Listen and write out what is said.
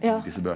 ja.